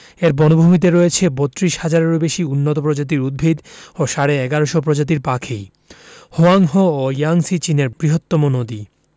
এর বনভূমিতে রয়েছে ৩২ হাজারেরও বেশি উন্নত প্রজাতির উদ্ভিত ও সাড়ে ১১শ প্রজাতির পাখি হোয়াংহো ও ইয়াংসি চীনের বৃহত্তম নদী